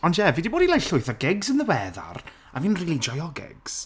Ond ie, fi 'di bod i like llwyth o gigs yn ddiweddar. A fi'n rili'n joio gigs.